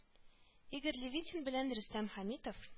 Игорь Левитин белән Рөстәм Хәмитов